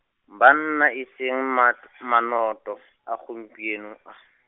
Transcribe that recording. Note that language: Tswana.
banna e seng mat-, manoto, a gompieno a.